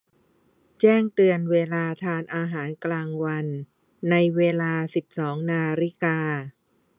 แจ้งเตือนเวลาทานอาหารกลางวันในเวลาสิบสองนาฬิกา